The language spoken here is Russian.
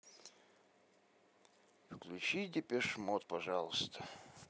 включи депеш мод пожалуйста